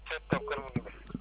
Cheikh Top Kër Mandoumbe